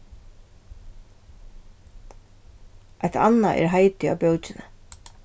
eitt annað er heitið á bókini